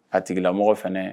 A tigila mɔgɔ fɛnɛ